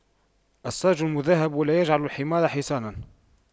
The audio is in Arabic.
السَّرْج المُذهَّب لا يجعلُ الحمار حصاناً